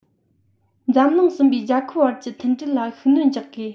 འཛམ གླིང གསུམ པའི རྒྱལ ཁབ བར གྱི མཐུན སྒྲིལ ལ ཤུགས སྣོན རྒྱག དགོས